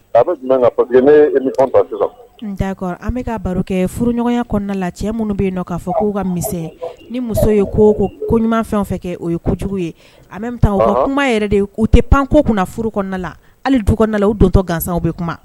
' kɔrɔ an bɛka ka baro kɛ furuɲɔgɔnya kɔnɔna la cɛ minnu bɛ yen k'a fɔ k'u ka misɛn ni muso ye ko ko ko ɲuman fɛn fɛ kɛ o ye kojugu ye a ka kuma yɛrɛ de k'u tɛ panko kunna furu kɔnɔna la hali dugu kɔnɔna o dontɔ gansanw bɛ kuma